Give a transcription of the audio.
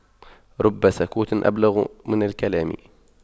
رب سكوت أبلغ من كلام